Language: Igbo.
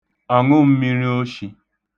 ọ̀nụm̄mīrīoshī